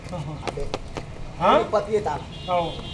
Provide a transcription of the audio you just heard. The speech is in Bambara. Waatitigi ye taa